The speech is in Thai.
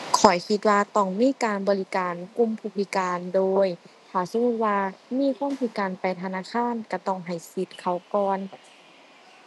ข้อยคิดว่าต้องมีการบริการกลุ่มผู้พิการ โดยถ้าสมมุติว่ามีคนพิการไปธนาคารก็ต้องให้สิทธิ์เขาก่อน